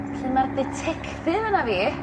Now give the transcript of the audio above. Felly ma'r ditectif yna fi